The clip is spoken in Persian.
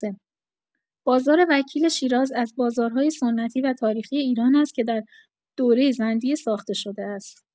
بازار وکیل شیراز از بازارهای سنتی و تاریخی ایران است که در دوره زندیه ساخته شده است.